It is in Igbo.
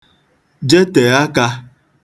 jetè akā